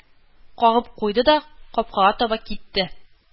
Кагып куйды да капкага таба китте.